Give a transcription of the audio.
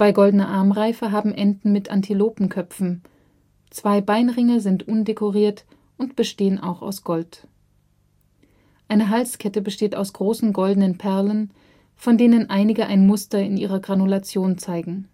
goldene Armreife haben Enden mit Antilopenköpfen; zwei Beinringe sind undekoriert und bestehen auch aus Gold. Eine Halskette besteht aus großen goldenen Perlen, von denen einige ein Muster in ihrer Granulation zeigen